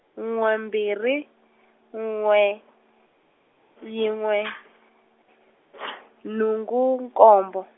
n'we mbirhi, n'we, yin'we , nhungu nkombo.